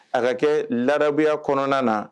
A ka kɛ ladabulaya kɔnɔna na